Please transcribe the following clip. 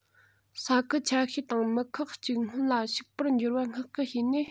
ས ཁུལ ཆ ཤས དང མི ཁག གཅིག སྔོན ལ ཕྱུག པོར འགྱུར བར བསྔགས སྐུལ བྱས ནས